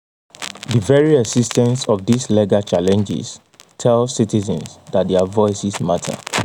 The very existence of these legal challenges tells citizens that their voices matter.